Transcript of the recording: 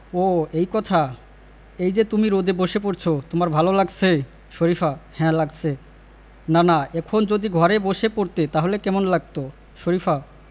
ও এই কথা এই যে তুমি রোদে বসে পড়ছ তোমার ভালো লাগছে শরিফা হ্যাঁ লাগছে নানা এখন যদি ঘরে বসে পড়তে তাহলে কেমন লাগত শরিফা